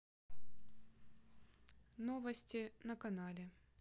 новости на канале